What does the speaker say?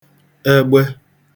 ẹgbẹ